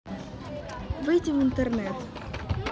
выйди в интернет